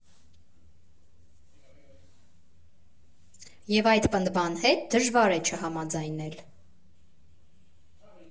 ԵՒ այդ պնդման հետ դժվար է չհամաձայնել։